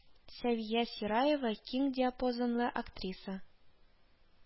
Сәвия Сираева киң диапазонлы актриса